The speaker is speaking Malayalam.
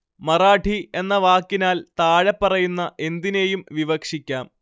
മറാഠി എന്ന വാക്കിനാൽ താഴെപ്പറയുന്ന എന്തിനേയും വിവക്ഷിക്കാം